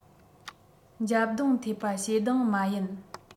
འཇབ རྡུང ཐེབས པ ཞེ སྡང མ ཡིན